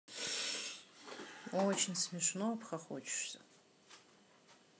очень смешно обхохочешься